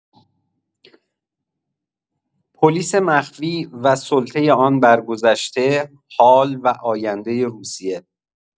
پلیس مخفی و سلطه آن بر گذشته، حال و آینده روسیه